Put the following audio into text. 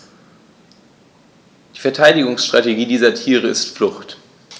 Die Verteidigungsstrategie dieser Tiere ist Flucht.